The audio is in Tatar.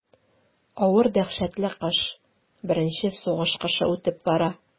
Авыр дәһшәтле кыш, беренче сугыш кышы үтеп бара.